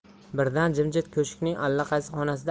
birdan jimjit ko'shkning allaqaysi xonasida